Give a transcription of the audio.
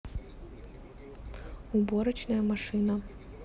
уборочная машина